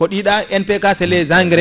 ko ɗiɗa MPK c' est les engrains